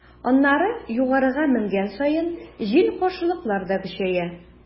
Аннары, югарыга менгән саен, җил-каршылыклар да көчәя.